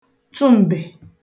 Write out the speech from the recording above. tụm̀bè